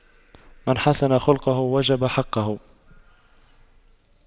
من حسن خُلقُه وجب حقُّه